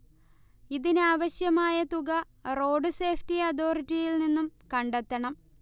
ഇതിനാവശ്യമായ തുക road safety അതോറിറ്റിയിൽ നിന്നും കണ്ടെത്തണം